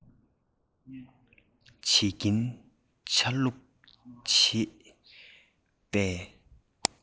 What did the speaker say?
བྱེད ཀྱིན བྱ རྨྱང ཞིག བྱེད པས